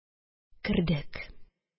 Кердек.